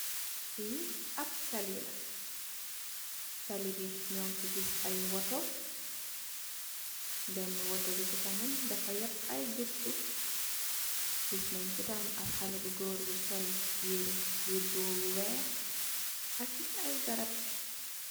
Li ap tali la, tali bi ñun ci gis ay Otto benna Otto bi ci kanam dafa ép ay gutuh. Gis nen fi tam ap xalèh bu gór bu sol yirèh wirgo bu wèèx ak ay garap.